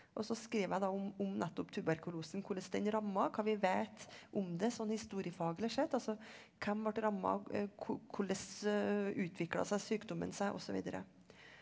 og så skriver jeg da om om nettopp tuberkulose, hvordan den ramma, hva vi vet om det sånn historiefaglig sett, altså hvem ble ramma, hvordan utvikla seg sykdommen seg og så videre.